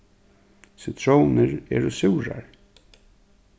sitrónir eru súrar